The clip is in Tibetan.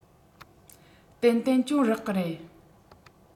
ཏན ཏན གྱོང རག གི རེད